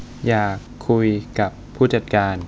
อยากคุยกับผู้จัดการ